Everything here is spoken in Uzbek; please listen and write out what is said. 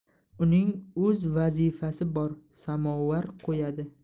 uning o'z vazifasi bor samovar qo'yadi